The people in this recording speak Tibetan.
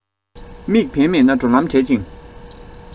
དམིགས འབེན མེད ན འགྲོ ལམ བྲལ ཅིང